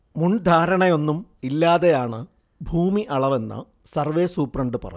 മുൻധാരണയൊന്നും ഇല്ലാതെയാണ് ഭൂമി അളവെന്ന് സർവേ സൂപ്രണ്ട് പറഞ്ഞു